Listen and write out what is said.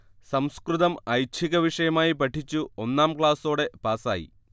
സംസ്കൃതം ഐച്ഛികവിഷയമായി പഠിച്ചു ഒന്നാം ക്ലാസ്സോടെ പാസ്സായി